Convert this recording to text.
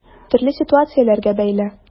Төрле ситуацияләргә бәйле.